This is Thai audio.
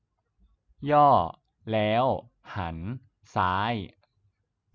ย่อแล้วหันซ้าย